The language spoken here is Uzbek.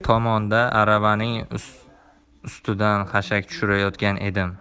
tomonda aravaning ustidan xashak tushirayotgan edim